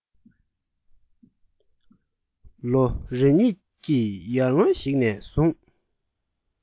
ལོ རེ གཉིས ཀྱི ཡར སྔོན ཞིག ནས བཟུང